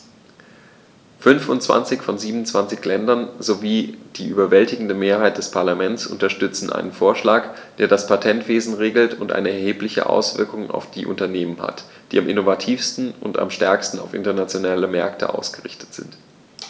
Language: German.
Fünfundzwanzig von 27 Ländern sowie die überwältigende Mehrheit des Parlaments unterstützen einen Vorschlag, der das Patentwesen regelt und eine erhebliche Auswirkung auf die Unternehmen hat, die am innovativsten und am stärksten auf internationale Märkte ausgerichtet sind.